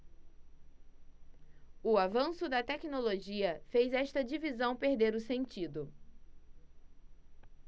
o avanço da tecnologia fez esta divisão perder o sentido